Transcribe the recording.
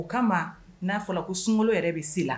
O kama n'a fɔra ko sun yɛrɛ bɛ se la